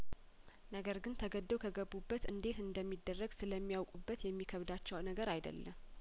ነገር ግን ተገደው ከገቡበት እንዴት እንደሚደረግ ስለሚ ያውቁ በት የሚከብዳቸው ነገር አይደለም